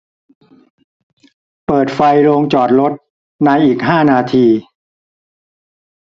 เปิดไฟโรงจอดรถในอีกห้านาที